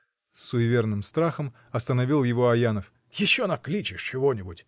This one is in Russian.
— с суеверным страхом остановил его Аянов, — еще накличешь что-нибудь!